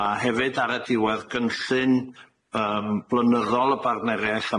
Ma' hefyd ar y diwedd gynllun yym blynyddol y bardneriaeth